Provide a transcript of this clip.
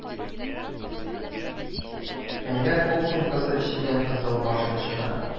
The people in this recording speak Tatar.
Әнвәр кул сумкасы эченнән «кызыл баш»-ны чыгара